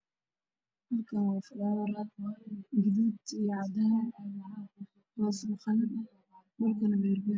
Meeshaan waxaa yaalo falaawar cadaan iyo gaduud ah, hoosna qalin ka ah dhulkana waa dameeri.